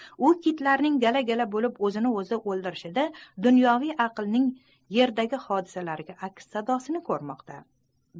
u kitlarning gala gala bolib ozini ozi oldirishida dunyoviy aqlning yerdagi hodisalarga aks sadosini kormoqda